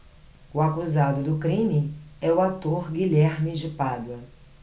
o acusado do crime é o ator guilherme de pádua